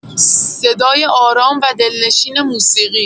صدای آرام و دلنشین موسیقی